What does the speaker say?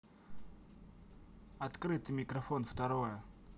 открытый микрофон второе